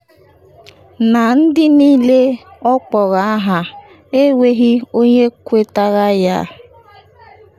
“Na ndị niile ọkpọrọ aha enweghị onye kwetara ya.